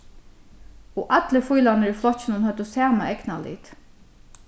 og allir fílarnir í flokkinum høvdu sama eygnalit